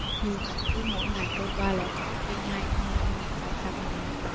như vậy cứ mỗi ngày trôi qua lại có trên hai trăm doanh nghiệp phải tạm ngừng hoạt động